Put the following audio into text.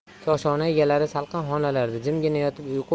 koshona egalari salqin xonalarda jimgina yotib